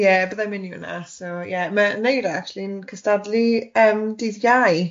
Ie bydda i'n mynd i hwnna, so ie ma Neira acshyli yn cystadlu yym dydd Iau.